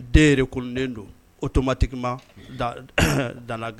Den yɛrɛ kolonden don otomatigima dan